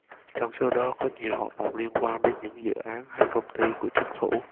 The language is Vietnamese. trong số đó có nhiều hoạt động liên quan đến những dự án hay công ty của chính phủ